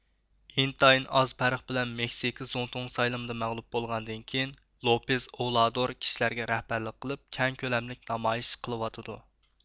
ئىنتايىن ئاز پەرق بىلەن مېكسىكا زۇڭتۇڭ سايلىمىدا مەغلۇپ بولغاندىن كېيىن لوپېز ئوۋلادور كىشىلەرگە رەھبەرلىك قىلىپ كەڭ كۆلەملىك نامايىش قىلىۋاتىدۇ